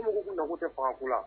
Ko munu naugu tɛ fanko la